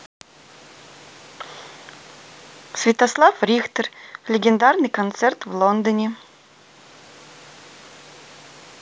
святослав рихтер легендарный концерт в лондоне